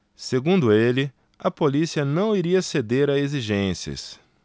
segundo ele a polícia não iria ceder a exigências